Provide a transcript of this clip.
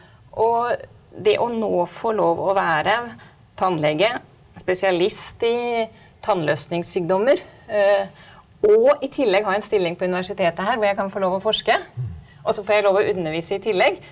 og det å nå få lov å være tannlege spesialist i tannløsningssykdommer og i tillegg ha en stilling på universitetet her hvor jeg kan få lov å forske, også får jeg lov å undervise i tillegg.